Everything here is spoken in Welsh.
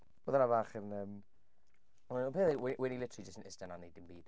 Oedd hwnna bach yn yyym... wel y peth yw we- wen i literally jyst yn eistedd 'na'n wneud dim byd.